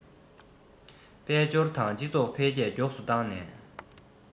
དཔལ འབྱོར དང སྤྱི ཚོགས འཕེལ རྒྱས མགྱོགས སུ བཏང ནས